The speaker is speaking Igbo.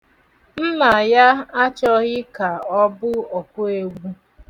Nna ya achọghị ka ọ bụ ọkụegwu.